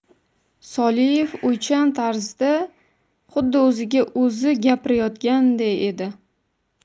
soliev o'ychan tarzda xuddi o'ziga o'zi gapirayotganday edi